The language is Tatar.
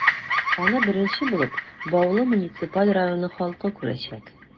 Аны беренче булып, Баулы муниципаль районы халкы күрәчәк.